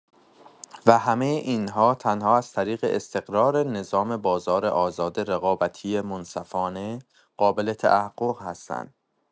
و همۀ این‌ها تنها از طریق استقرار نظام بازار آزاد رقابتی منصفانه قابل تحقق هستند.